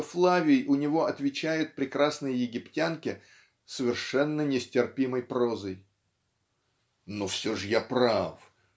что Флавий у него отвечает прекрасной египтянке совершенно нестерпимой прозой Но все-ж я прав.